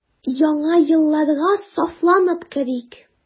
Яңа елларга сафланып керик.